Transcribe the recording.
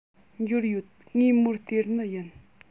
འབྱོར ཡོད ངས མོར སྟེར ནི ཡིན